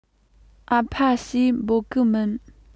ཨ ཕ ཞེས འབོད གི མིན